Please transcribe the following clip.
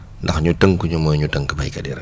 ndax ñu tënk ñu mooy ñu tënk béykat yi rek